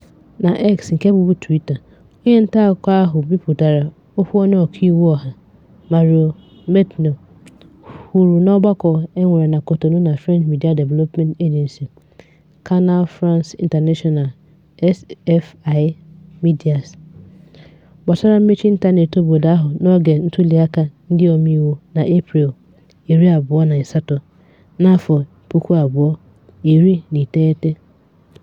Na X (nke bụbu Twitter), onye ntaakụkọ ahụ bipụtara okwu onye ọkàiwu ọha, Mario Metonou, kwuru n'ọgbakọ e nwere na Cotonou na French Media Development Agency, Canal France International (CFI Médias), gbasara mmechi ịntaneetị obodo ahụ n'oge ntuliaka ndị omeiwu n'Eprel 28, 2019.